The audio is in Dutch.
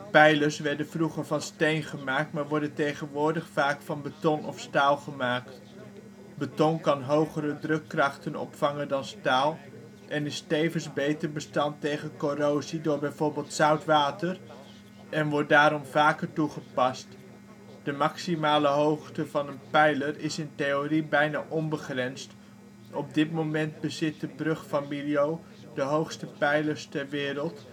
Pijlers werden vroeger van steen gemaakt maar worden tegenwoordig vaak van beton of staal gemaakt. Beton kan hogere drukkrachten opvangen dan staal en is tevens beter bestand tegen corrosie door bijvoorbeeld zout water en wordt daarom vaker toegepast. De maximale hoogte van een pijler is in theorie bijna onbegrensd, op dit moment bezit de Brug van Millau de hoogste pijlers ter wereld